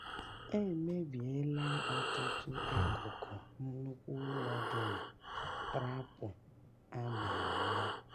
E mebiela ọtụtụ akukụ nnukwu ụlọ dị na Sutrapur a ma ama.